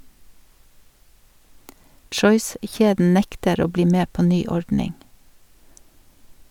Choice-kjeden nekter å bli med på ny ordning.